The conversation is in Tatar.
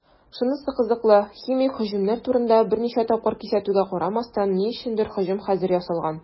Шунысы кызыклы, химик һөҗүмнәр турында берничә тапкыр кисәтүгә карамастан, ни өчендер һөҗүм хәзер ясалган.